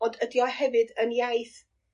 ond ydi o hefyd yn iaith